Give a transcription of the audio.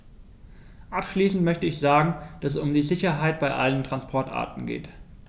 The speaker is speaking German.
Abschließend möchte ich sagen, dass es um die Sicherheit bei allen Transportarten geht.